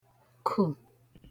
kù